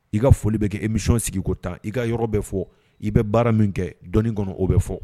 I ka foli bɛ kɛ émission sigi ko 10 i ka yɔrɔ bɛ fɔ, i bɛ baara min kɛ dɔnni kɔnɔ o bɛ fɔ